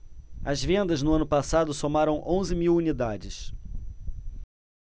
as vendas no ano passado somaram onze mil unidades